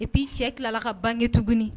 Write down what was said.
I b'i cɛ tilala ka bange tugun